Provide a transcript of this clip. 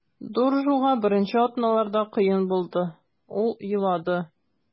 Доржуга беренче атналарда кыен булды, ул елады.